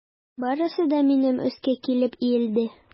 Барысы да минем өскә килеп иелде.